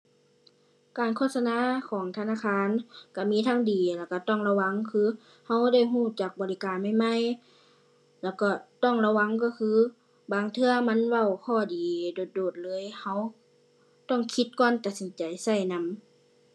การโฆษณาของธนาคารก็มีทั้งดีแล้วก็ต้องระวัง คือก็ได้ก็จักบริการใหม่ใหม่ แล้วก็ต้องระวังก็คือบางเทื่อมันเว้าข้อดีโดดโดดเลย ก็ต้องคิดก่อนตัดสินใจก็นำ